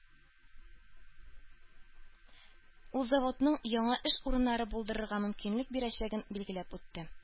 Ул заводның яңа эш урыннары булдырырга мөмкинлек бирәчәген билгеләп үтте